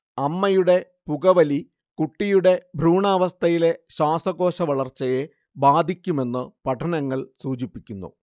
അമ്മയുടെ പുകവലി കുട്ടിയുടെ ഭ്രൂണാവസ്ഥയിലെ ശ്വാസകോശവളർച്ചയെ ബാധിക്കുമെന്ന് പഠനങ്ങൾ സൂചിപ്പിക്കുന്നു